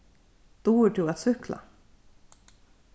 dugir tú at súkkla